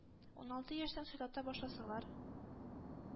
Уналты яшьтән сайлата башласалар,